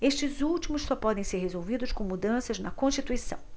estes últimos só podem ser resolvidos com mudanças na constituição